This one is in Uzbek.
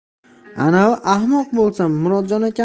anovi ahmoq bo'lsa murodjon